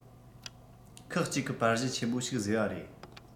ཁག གཅིག གི པར གཞི ཆེན པོ ཞིག བཟོས པ རེད